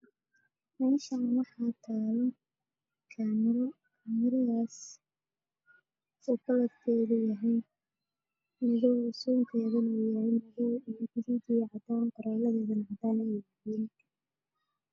Meeshan waxaa iga muuqda kaamiro midabkeedu yahay mido soonkeedu yahay caddaan